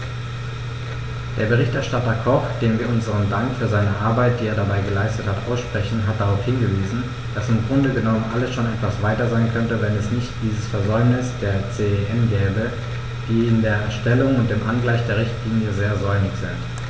Der Berichterstatter Koch, dem wir unseren Dank für seine Arbeit, die er dabei geleistet hat, aussprechen, hat darauf hingewiesen, dass im Grunde genommen alles schon etwas weiter sein könnte, wenn es nicht dieses Versäumnis der CEN gäbe, die in der Erstellung und dem Angleichen der Richtlinie sehr säumig sind.